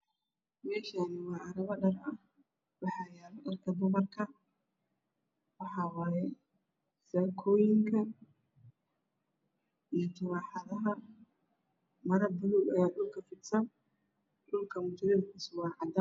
Meeshaani waa carwo dhar ah waxaa yaalo dharka dumarka waxaa waye saakaayinka iyo turaxadaaha maro buluug ayaa dhulka fidsam dhulka mutuleel kiisa waa cadaan